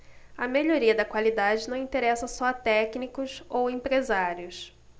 a melhoria da qualidade não interessa só a técnicos ou empresários